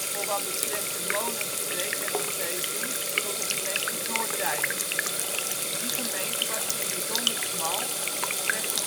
voor wat betreft de Molenstreek en omgeving tot de gemeente Noorddijk. Die gemeente was hier bijzonder smal — slechts zo 'n 20